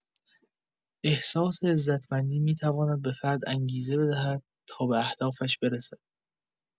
احساس عزتمندی می‌تواند به فرد انگیزه بدهد تا به اهدافش برسد.